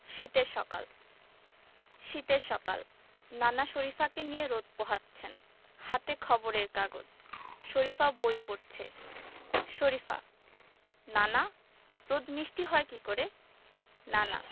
শীতের সকাল নানা শরিফাকে নিয়ে রোদ পোহাচ্ছেন হাতে খবরের কাগজ শরিফা বই পড়ছে শরিফা নানা রোদ মিষ্টি হয় কী করে নানা